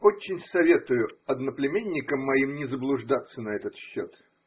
Очень советую одноплеменникам моим не заблуждаться на этот счет.